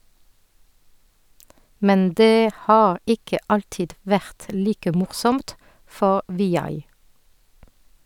Men det har ikke alltid vært like morsomt for Vijay.